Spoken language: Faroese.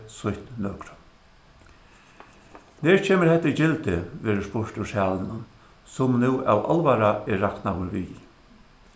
sýtt nøkrum nær kemur hetta í gildi verður spurt úr salinum sum nú av álvara er raknaður við